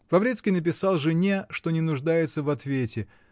Лаврецкий написал жене, что не нуждается в ответе.